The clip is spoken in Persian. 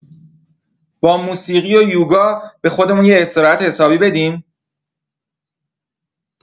با موسیقی و یوگا به خودمون یه استراحت حسابی بدیم؟